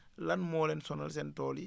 lan moo leen sonal seen tool yi